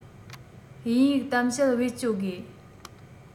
དབྱིན ཡིག གཏམ བཤད བེད སྤྱོད དགོས